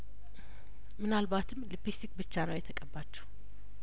ምናልባትም ሊፕ ስቲክ ብቻ ነው የተቀባችው